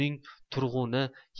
uning turg'uni